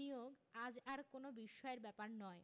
নিয়োগ আজ আর কোনো বিস্ময়ের ব্যাপার নয়